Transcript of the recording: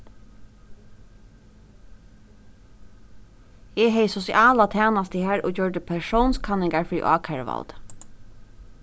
eg hevði sosiala tænastu har og gjørdi persónskanningar fyri ákæruvaldið